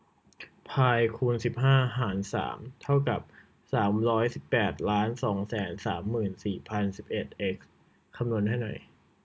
พายคูณสิบห้าหารสามเท่ากับสามร้อยสิบแปดล้านสองแสนสามหมื่นสี่พันสิบเอ็ดเอ็กซ์คำนวณให้หน่อย